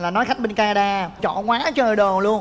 là nói khách bên ca na đa chọn quá trời đồ luôn